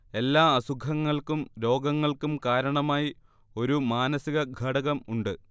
എല്ലാ അസുഖങ്ങൾക്കും രോഗങ്ങൾക്കും കാരണമായി ഒരു മാനസികഘടകം ഉണ്ട്